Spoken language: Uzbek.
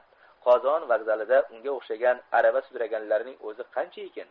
qozon vokzalida unga o'xshagan arava sudraganlarning o'zi qanchaykin